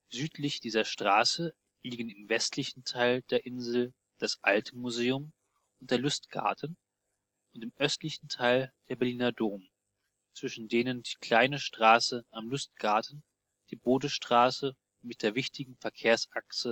Südlich dieser Straße liegen im westlichen Teil der Insel das Alte Museum und der Lustgarten und im östlichen Teil der Berliner Dom, zwischen denen die kleine Straße Am Lustgarten die Bodestraße mit der wichtigen Verkehrsachse